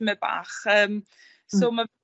Tyme bach. Yym so ma'